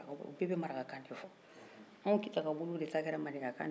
an kita ka bolow de ta kɛra maninkakan ni bamanankan maninkakan y'ala dɔrɔn